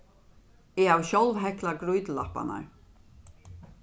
eg havi sjálv hekklað grýtulapparnar